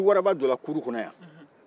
ni waraba donna kuuru kɔnɔ yan